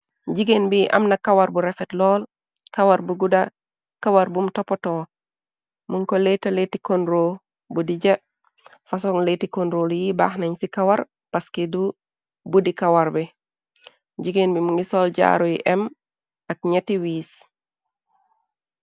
Jigéen bi amna kawar bu refet lool, kawar b guda, kawar bum toppato. Muñ ko leyta lati konro bu di ja, fason leyti konrol yi baax nañ ci kawar paskidu buddi kawar bi, jigéen bi mu ngi sol jaaru yu em ak ñetti wiis.